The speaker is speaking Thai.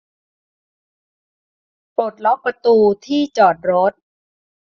ปลดล็อกประตูที่จอดรถ